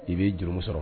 Fili jurumu sɔrɔ.